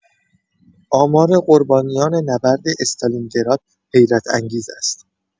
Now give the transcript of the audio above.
آمار قربانیان نبرد استالینگراد حیرت‌انگیز است.